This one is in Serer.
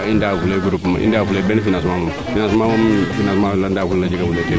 xa' a i ndaawa fule i ndaawa fule been financement mooom financemnt moom financement faa i ndaawa ful na jega fulke teen